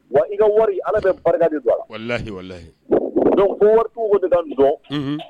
Wa i ka wari ala bɛ barika de donyiyi ko wari de ka dɔn